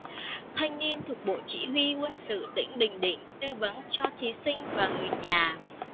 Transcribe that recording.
thanh niên thuộc bộ chỉ huy quân sự tỉnh bình định tư vấn cho thí sinh và người nhà